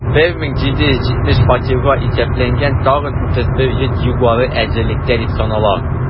1770 фатирга исәпләнгән тагын 31 йорт югары әзерлектә дип санала.